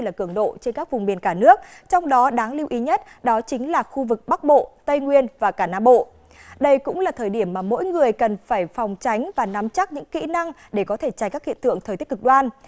là cường độ trên các vùng miền cả nước trong đó đáng lưu ý nhất đó chính là khu vực bắc bộ tây nguyên và cả nãm bộ đây cũng là thời điểm mà mỗi người cần phải phòng tránh và nắm chắc những kỹ năng để có thể tránh các hiện tượng thời tiết cực đoan